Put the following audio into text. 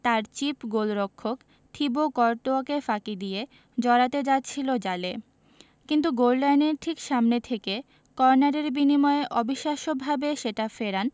তাঁর চিপ গোলরক্ষক থিবো কর্তোয়াকে ফাঁকি দিয়ে জড়াতে যাচ্ছিল জালে কিন্তু গোললাইনের ঠিক সামনে থেকে কর্নারের বিনিময়ে অবিশ্বাস্যভাবে সেটা ফেরান